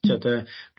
Ti'od y